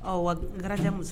Aw wa